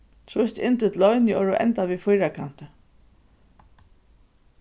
trýst inn títt loyniorð og enda við fýrakanti